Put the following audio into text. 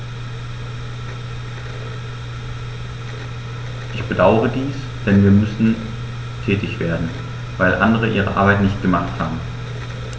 Ich bedauere dies, denn wir müssen tätig werden, weil andere ihre Arbeit nicht gemacht haben.